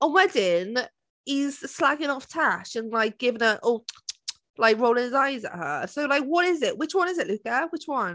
Ond wedyn, he's slagging off Tash, and like giving her oh like rolling his eyes at her. So, like, what is it? Which one is it, Luca? Which one?